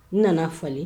Nan'a falen